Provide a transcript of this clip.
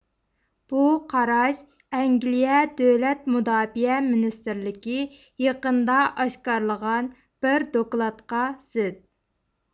بۇ قاراش ئەنگلىيە دۆلەت مۇداپىئە مىنىستىرلىكى يېقىندا ئاشكارىلىغان بىر دوكلاتقا زىت